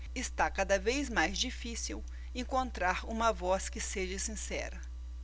está cada vez mais difícil encontrar uma voz que seja sincera